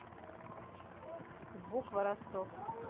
буква ростов